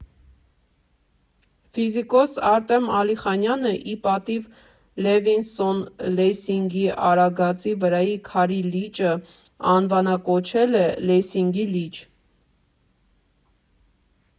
Ֆիզիկոս Արտեմ Ալիխանյանը ի պատիվ Լևինսոն֊Լեսինգի Արագածի վրայի Քարի լիճը անվանակոչել է Լեսինգի լիճ։